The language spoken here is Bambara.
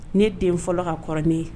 Ne den fɔlɔ ka kɔrɔ ne ye